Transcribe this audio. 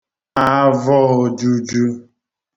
avọōjūjū